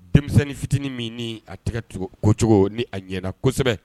Denmisɛnnin fitinin min ni a tɛgɛcogo cogo ni a ɲɛna kosɛbɛ